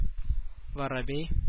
Воробей